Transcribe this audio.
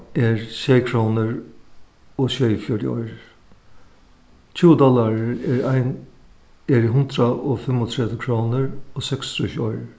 er sjey krónur og sjeyogfjøruti oyrur tjúgu dollarar eru ein eru hundrað og fimmogtretivu krónur og seksogtrýss oyrur